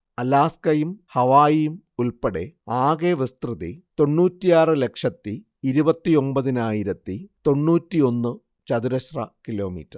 അലാസ്കയും ഹാവായിയും ഉൾപ്പെടെ ആകെ വിസ്തൃതി തൊണ്ണൂറ്റിയാറ് ലക്ഷത്തിയിരുപത്തിയൊമ്പത്തിയായിരത്തി തൊണ്ണൂറ്റിയൊന്ന് ചതുരശ്ര കിലോമീറ്റർ